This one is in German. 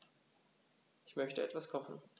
Ich möchte etwas kochen.